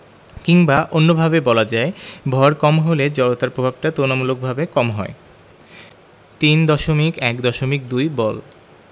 কিংবা অন্যভাবে বলা যায় ভর কম হলে জড়তার প্রভাবটা তুলনামূলকভাবে কম হয় 3.1.2 বল